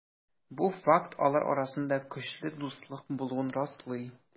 Бу факт алар арасында көчле дуслык булуын раслый.